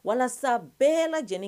Walasa bɛɛ lajɛlen